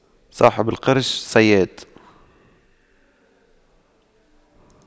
صاحب القرش صياد